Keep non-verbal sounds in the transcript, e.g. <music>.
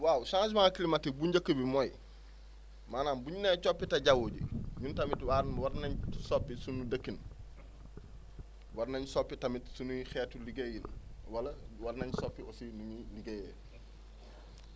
waaw changement climatique bu njëkk bi mooy maanaam bu ñu nee coppite jaww ji <noise> ñun tamit waa war nañ soppi suñu dëkkin war nañ soppi tamit suñu xeetu liggéeyin wala war nañ soppi <noise> aussi ni ñuy liggéeyee